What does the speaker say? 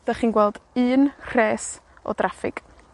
'dych chi'n gweld un rhes o draffig.